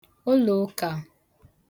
ụlụ̀ụkà